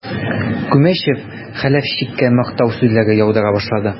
Күмәчев Хәләфчиккә мактау сүзләре яудыра башлады.